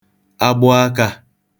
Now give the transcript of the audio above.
agbụ akā